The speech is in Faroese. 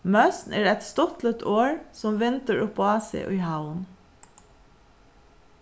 møsn er eitt stuttligt orð sum vindur upp á seg í havn